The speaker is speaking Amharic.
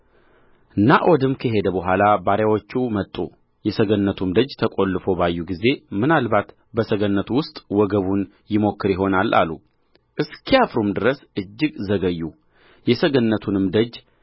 ናዖድም ከሄደ በኋላ ባሪያዎቹ መጡ የሰገነቱም ደጅ ተቈልፎ ባዩ ጊዜ ምናልባት በሰገነቱ ውስጥ ወገቡን ይሞክር ይሆናል አሉ እስኪያፍሩም ድረስ እጅግ ዘገዩ የሰገነቱንም ደጅ